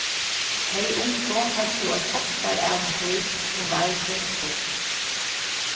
tey ungu høvdu eitt ástarævintýr sum vardi stutt